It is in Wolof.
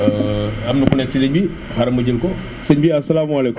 am na ku nekk ci ligne bi xaaral ma jël ko sëñ bi asalaamaaleykum